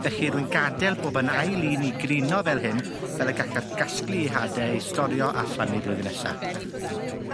Felly rwy'n gad'el bob yn ail un i grino fel hyn fel y gallaf gasglu 'i hade i storio a phlannu blwyddyn nesa.